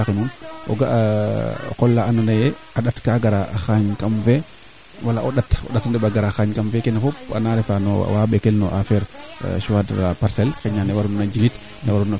mene koy kee i moƴna and mene imba leye saas imba leye kiic i mba leyee nar taxar tadik keene daal a woora xame pour o fi'in o mbiñ duuf ndunga um to condirang dara